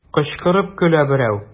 Кычкырып көлә берәү.